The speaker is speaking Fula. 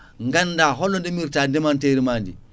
ganda holno ndemirta ndemanteri mandi